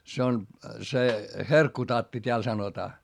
se on se herkkutatti täällä sanotaan